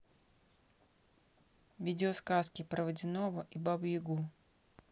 видеосказки про водяного и бабу ягу